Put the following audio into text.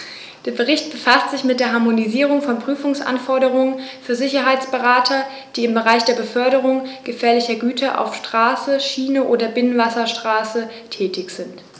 Der Bericht befasst sich mit der Harmonisierung von Prüfungsanforderungen für Sicherheitsberater, die im Bereich der Beförderung gefährlicher Güter auf Straße, Schiene oder Binnenwasserstraße tätig sind.